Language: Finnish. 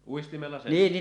uistimella senkin